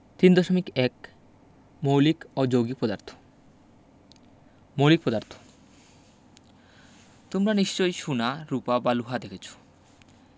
৩ .১ মৌলিক ও যৌগিক পদার্থ মৌলিক পদার্থ তোমরা নিশ্চয় সুনা রুপা বা লোহা দেখেছ